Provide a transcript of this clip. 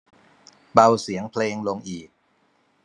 เบาเสียงเพลงลงอีก